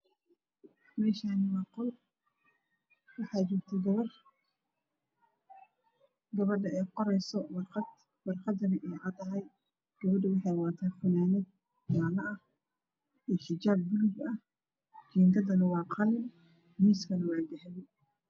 Meeshaan waa qol waxaa jogto gabar gabadha waxa ay wax ku qaraysaa warqad warqadana waa war qad cad gabadha waxa ay wadataa xijaab buluug ah iyo funaanad jaala ah jiingadda waa qalin miiskana wa dahabi